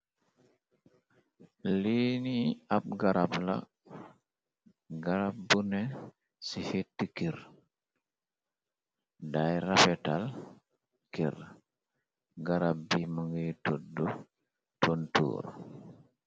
Liini ab garab la, garab bune ci xit kir, day rafetal kir, garab bi mu ngiy tudd tontuur.